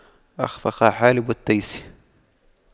أَخْفَقَ حالب التيس